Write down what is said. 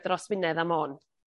...dros Wynedd a Môn.